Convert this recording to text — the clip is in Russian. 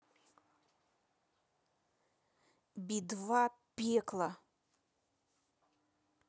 би два пекло